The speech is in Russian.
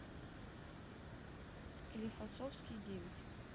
склифосовский девять